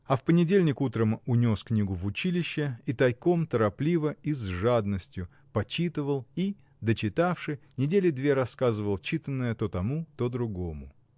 А в понедельник утром унес книгу в училище и тайком, торопливо и с жадностью дочитывал и, дочитавши, недели две рассказывал читанное то тому, то другому.